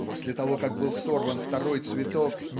После того как был сорван второй цветок